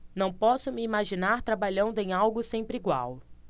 não posso me imaginar trabalhando em algo sempre igual